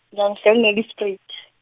ngihlala e- Nelspruit.